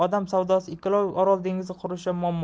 odam savdosi ekologiya orol dengizi qurishi muammosi